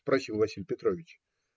- спросил Василий Петрович.